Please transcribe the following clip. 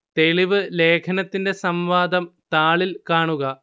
തെളിവ് ലേഖനത്തിന്റെ സംവാദം താളിൽ കാണുക